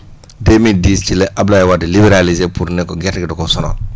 2010 ci la Abdoulaye Wade libéraliser pour ne ko gerte gi da koo sonal